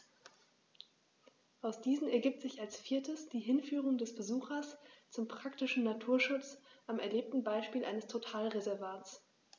Aus diesen ergibt sich als viertes die Hinführung des Besuchers zum praktischen Naturschutz am erlebten Beispiel eines Totalreservats.